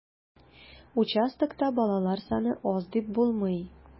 Участокта балалар саны аз дип булмый.